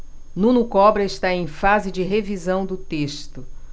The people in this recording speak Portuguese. nuno cobra está em fase de revisão do texto